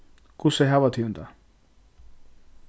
hvussu hava tygum tað